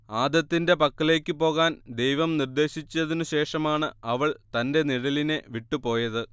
ആദത്തിന്റെ പക്കലേയ്ക്കു പോകാൻ ദൈവം നിർദ്ദേശിച്ചതിനു ശേഷമാണ് അവൾ തന്റെ നിഴലിനെ വിട്ടുപോയത്